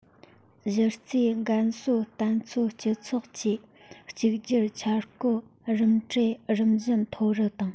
གཞི རྩའི རྒན གསོའི བརྟན སྩོལ སྤྱི ཚོགས ཀྱི གཅིག གྱུར འཆར འགོད རིམ གྲས རིམ བཞིན མཐོ རུ བཏང